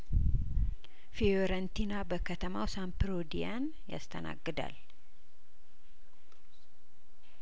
ፊዮረንቲና በከተማው ሳም ፕሮዲያን ያስተናግዳል